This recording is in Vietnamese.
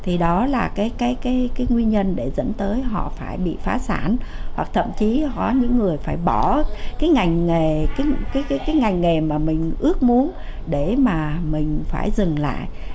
thì đó là cái cái cái cái nguyên nhân để dẫn tới họ phải bị phá sản hoặc thậm chí hóa những người phải bỏ cái ngành nghề kí kí kí cái ngành nghề mà mình ước muốn để mà mình phải dừng lại